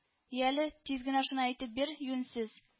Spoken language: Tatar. Яле, тиз генә шуны әйтеп бир, юньсез